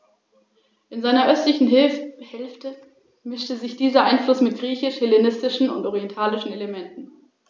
Je nach Dauer der Nutzung werden die Horste ständig erweitert, ergänzt und repariert, so dass über Jahre hinweg mächtige, nicht selten mehr als zwei Meter in Höhe und Breite messende Horste entstehen.